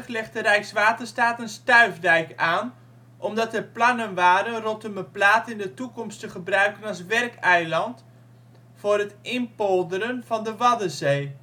legde Rijkswaterstaat een stuifdijk aan, omdat er plannen waren Rottumerplaat in de toekomst te gebruiken als werkeiland voor het inpolderen van de Waddenzee